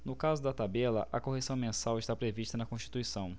no caso da tabela a correção mensal está prevista na constituição